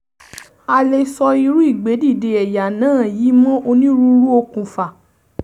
A lè so irú ìgbédìde ẹ̀yà náà yìí mọ́ onírúurú okùnfà.